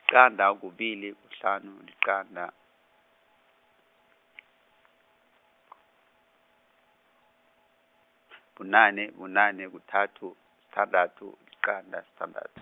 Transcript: liqanda, kubuli, kuhlanu, liqanda, bunane, bunane, kuthathu, sithandathu, liqanda sithandath-.